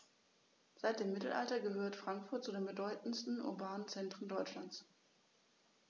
Seit dem Mittelalter gehört Frankfurt zu den bedeutenden urbanen Zentren Deutschlands.